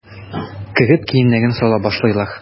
Кереп киемнәрен сала башлыйлар.